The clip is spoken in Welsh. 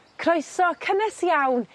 Croeso cynnes iawn...